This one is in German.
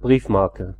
One Penny Black – Die erste Briefmarke der Welt (1840) Eine Briefmarke